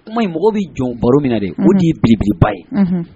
Kuma in mɔgɔw bɛ jɔn baro min na de o de ye belebeleba ye